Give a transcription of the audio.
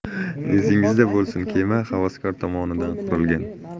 esingizda bo'lsin kema havaskor tomonidan qurilgan